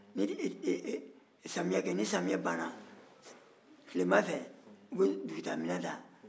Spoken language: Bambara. samiya kɛ nin samiya banna u bɛ dugutaaminɛn ta